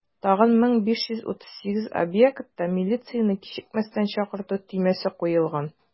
Тагын 1538 объектта милицияне кичекмәстән чакырту төймәсе куелган.